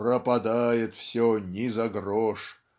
Пропадает все ни за грош.